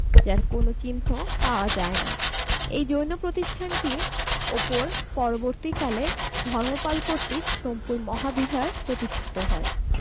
যার কোন চিহ্ন পাওয়া যায় না এই জৈন প্রতিষ্ঠানটির উপর পরবর্তীকালে ধর্মপাল কর্তৃক সোমপুর মহাবিহার প্রতিষ্ঠিত হয়